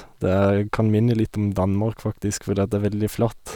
Det kan minne litt om Danmark, faktisk, fordi at det er veldig flatt.